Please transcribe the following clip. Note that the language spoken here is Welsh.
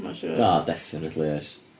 Mae'n siŵr... O, definitely, oes.